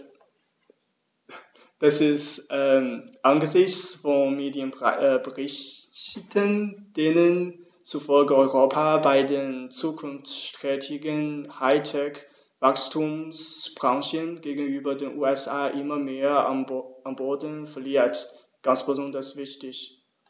Das ist angesichts von Medienberichten, denen zufolge Europa bei den zukunftsträchtigen High-Tech-Wachstumsbranchen gegenüber den USA immer mehr an Boden verliert, ganz besonders wichtig.